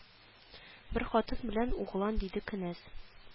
Бер хатын белән углан диде кенәз